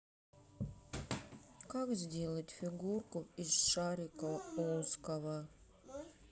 как сделать фигурку из шарика узкого